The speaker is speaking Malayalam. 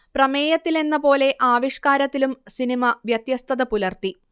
പ്രമേയത്തിലെന്ന പോലെ ആവിഷ്കാരത്തിലും സിനിമ വ്യത്യസ്തത പുലർത്തി